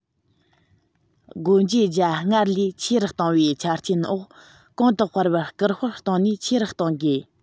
སྒོ འབྱེད རྒྱ སྔར ལས ཆེ རུ གཏོང བའི ཆ རྐྱེན འོག གོང དུ སྤེལ བར སྐུལ སྤེལ གཏོང ནུས ཆེ རུ གཏོང དགོས